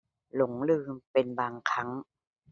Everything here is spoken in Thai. หลงลืมเป็นบางครั้ง